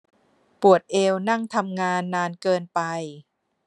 ปวดเอวนั่งทำงานนานเกินไป